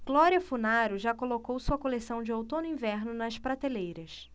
glória funaro já colocou sua coleção de outono-inverno nas prateleiras